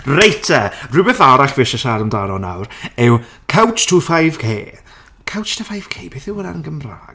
Reit te, rhywbeth arall fi eisiau siarad amdano nawr yw 'Couch to 5k.' 'Couch to 5k', beth yw hwnna yn Gymraeg?